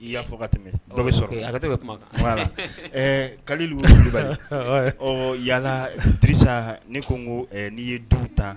I y'a fɔ ka tɛmɛ dɔ bɛ sɔrɔ a ka tɛmɛ kuma kaluba yalalasa ne ko ko n'i ye dugu ta